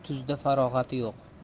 tuzda farog'ati yo'q